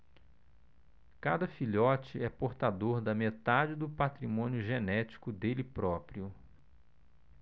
cada filhote é portador da metade do patrimônio genético dele próprio